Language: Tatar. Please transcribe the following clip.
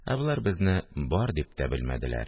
Ә болар безне бар дип тә белмәделәр